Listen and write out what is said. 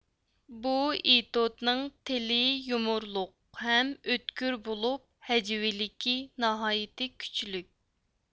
بۇ ئېتوتنىڭ تىلى يۇمۇرلۇق ھەم ئۆتكۈر بولۇپ ھەجۋىيلىكى ناھايىتى كۈچلۈك